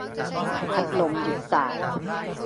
พัดลมหยุดส่าย